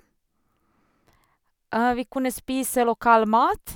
Vi kunne spise lokal mat.